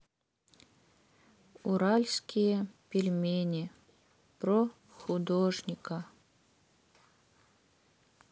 уральские пельмени про художника